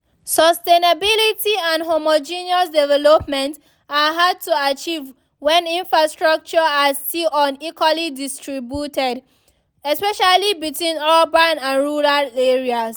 Sustainability and homogeneous development are hard to achieve when infrastructure are still so unequally distributed, especially between urban and rural areas.